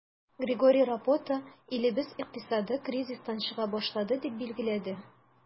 Григорий Рапота, илебез икътисады кризистан чыга башлады, дип билгеләде.